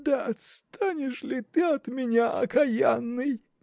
– Да отстанешь ли ты от меня, окаянный?